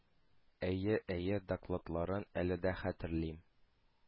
Әйе, әйе, докладларын, әле дә хәтерлим.